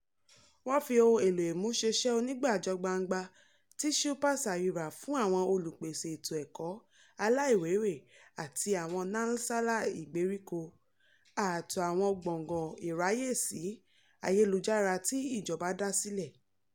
Wọ́n fi ohun èlò ìmúṣẹ́ṣe onígbàjọ-gbangba ti Shilpa Sayura fún àwọn olùpèsè ètò ẹ̀kọ́ aláìwérè àti àwọn Nansala ìgbèríko, ààtò àwọn gbọ̀ngàn ìráàyèsí ayélujára tí ìjọba dá sílẹ̀.